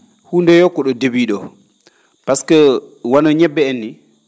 huunde yo o ko ?o début ?oo pasque wano ñebbe en nii